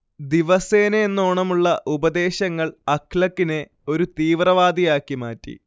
ദിവസേനയെന്നോണമുള്ള ഉപദേശങ്ങൾ അഖ്ലഖിനെ ഒരു തീവ്രവാദിയാക്കി മാറ്റി